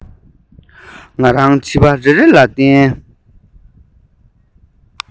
ང རང བྱིས པ རེ རེ ལ བསྟན